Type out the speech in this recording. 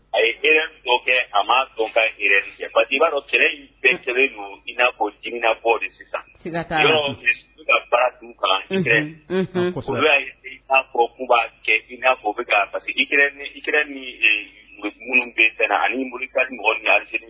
A ye hɛrɛ kɛ a ma dɔn ka hɛrɛ pa b'a cɛ in bɛɛ sɛbɛn don in n'afɔ jmina fɔ de sisan ka baara dun kalan muso' kunba kɛ i nafɔ bɛ pa i ni minnu de tɛmɛ ani mu kari mɔgɔsiri